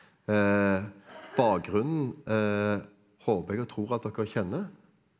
bakgrunnen håper jeg og tror at dere kjenner.